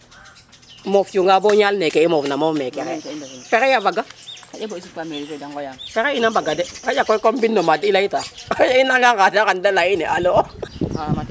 mof cunga bo ñal neke mof na mof meke i ndef na mene pexey a faga pexey ina mbaga de xaƴa koy comme mbino mad i ley ta xaƴa ina nga ngada xan da leya in allo